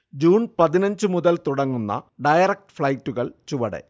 June പതിനഞ്ച് മുതൽ തുടങ്ങുന്ന ഡയറക്ട് ഫൈളൈറ്റുകൾ ചുവടെ